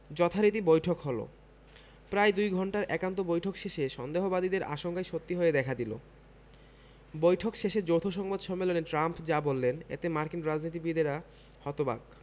যথারীতি বৈঠক হলো প্রায় দুই ঘণ্টার একান্ত বৈঠক শেষে সন্দেহবাদীদের আশঙ্কাই সত্যি হয়ে দেখা দিল বৈঠক শেষে যৌথ সংবাদ সম্মেলনে ট্রাম্প যা বললেন এতে মার্কিন রাজনীতিবিদেরা হতবাক